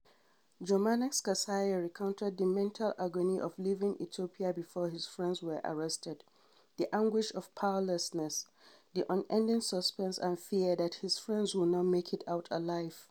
Jomanex Kasaye recounted the mental agony of leaving Ethiopia before his friends were arrested — the anguish of powerlessness — the unending suspense and fear that his friends would not make it out alive.